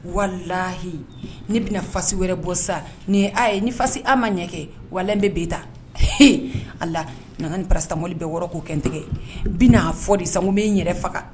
Walayi ne bɛna fasi wɛrɛ bɔ sa ni ye' ye ni fa a ma ɲɛ kɛ wa bɛ bɛ ta h a la nana pasammo bɛ wɔɔrɔ'o kɛtigɛ bɛnaa fɔ de san bɛ n yɛrɛ faga